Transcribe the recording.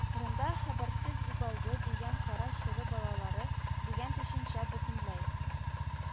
Рында “хәбәрсез югалды” дигән кара чоры балалары” дигән төшенчә бөтенләй